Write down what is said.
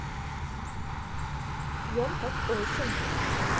пьем как осин